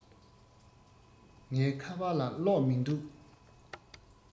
ངའི ཁ པར ལ གློག མིན འདུག